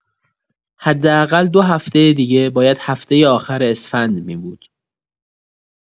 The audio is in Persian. حداقل دوهفته دیگه باید هفتۀ آخر اسفند می‌بود.